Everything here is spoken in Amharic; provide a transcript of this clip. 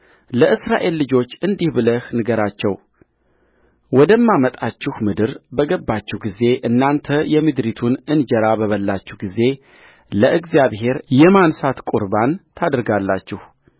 ለእስራኤል ልጆች እንዲህ ብለህ ንገራቸው ወደማመጣችሁ ምድር በገባችሁ ጊዜእናንተ የምድሪቱን እንጀራ በበላችሁ ጊዜ ለእግዚአብሔር የማንሣት ቍርባን ታደርጋላችሁ